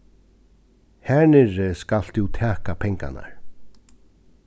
har niðri skalt tú taka pengarnar